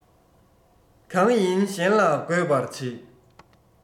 གང ཡིན གཞན ལ འགོད པར བྱེད